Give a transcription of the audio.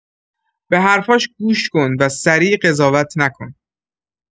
به حرفاش گوش کن و سریع قضاوت نکن